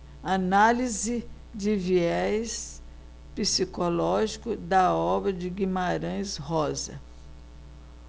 análise de viés psicológico da obra de guimarães rosa